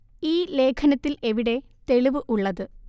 ഈ ലേഖനത്തിൽ എവിടെ തെളിവ് ഉള്ളത്